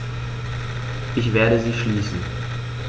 Ich werde sie schließen.